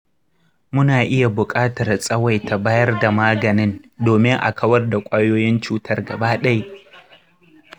muna iya buƙatar tsawaita bayar da maganin domin a kawar da ƙwayoyin cutar gaba ɗaya.